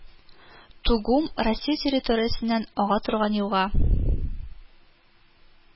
Тугум Русия территориясеннән ага торган елга